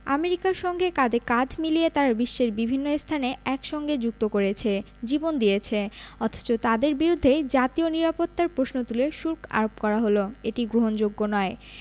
আমেরিকার সঙ্গে কাঁধে কাঁধ মিলিয়ে তারা বিশ্বের বিভিন্ন স্থানে একসঙ্গে যুদ্ধ করেছে জীবন দিয়েছে অথচ তাঁদের বিরুদ্ধেই জাতীয় নিরাপত্তার প্রশ্ন তুলে শুল্ক আরোপ করা হলো এটি গ্রহণযোগ্য নয়